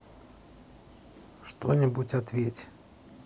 что нибудь ответь